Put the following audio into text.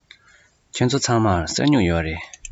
ཁྱེད ཚོ ཚང མར ས སྨྱུག ཡོད རེད